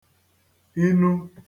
inu